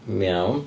Iawn.